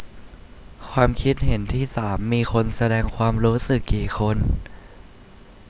ความคิดเห็นที่สามมีคนแสดงความรู้สึกกี่คน